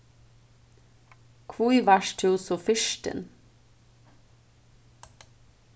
hví vart tú so firtin